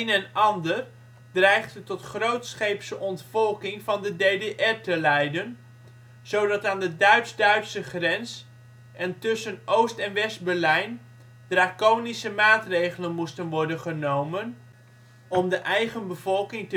en ander dreigde tot grootscheepse ontvolking van de DDR te leiden, zodat aan de Duits-Duitse grens en tussen Oost - en West-Berlijn draconische maatregelen moesten worden genomen om de eigen bevolking